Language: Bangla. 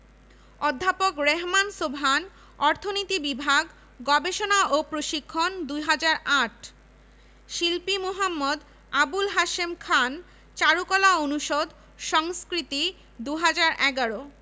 দেশের মানব সম্পদের বিকাশের লক্ষ্য নির্ধারিত হয় এ লক্ষ্যে কয়েকটি নতুন বিভাগ খোলা হয় ইতোমধ্যে বিশ্বব্যাপী ত্রিশটি বিশ্ববিদ্যালয়